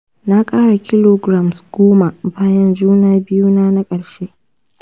na ƙara kilograms goma bayan juna-biyu na na ƙarshe.